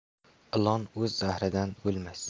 ilon o'z zahridan o'lmas